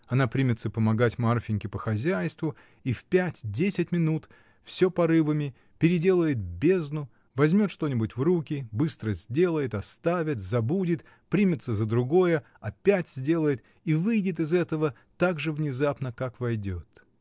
Она примется помогать Марфиньке по хозяйству, и в пять-десять минут, всё порывами, переделает бездну, возьмет что-нибудь в руки, быстро сделает, оставит, забудет, примется за другое, опять сделает и выйдет из этого так же внезапно, как войдет.